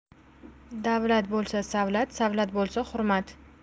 davlat bo'lsa savlat savlat bo'lsa hurmat